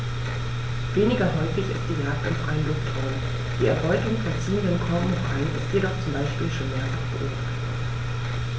Weniger häufig ist die Jagd im freien Luftraum; die Erbeutung von ziehenden Kormoranen ist jedoch zum Beispiel schon mehrfach beobachtet worden.